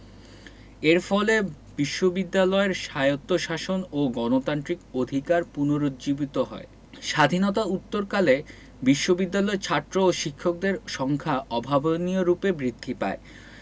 এর ফলে বিশ্ববিদ্যালয়ের স্বায়ত্তশাসন ও গণতান্ত্রিক অধিকার পুনরুজ্জীবিত হয় স্বাধীনতা উত্তরকালে বিশ্ববিদ্যালয়ের ছাত্র ও শিক্ষকদের সংখ্যা অভাবনীয়রূপে বৃদ্ধি পায়